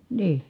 niin